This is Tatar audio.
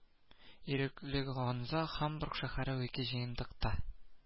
Ирекле Ганза Һамбург шәһәре Викиҗыентыкта